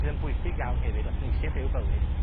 sydd yn bwysig iawn hefyd, os ni isie byw bywyd